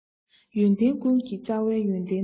ཡོན ཏན ཀུན གྱི རྩ བ ཡོན ཏན དང